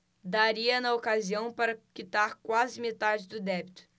daria na ocasião para quitar quase metade do débito